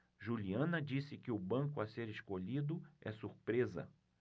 juliana disse que o banco a ser escolhido é surpresa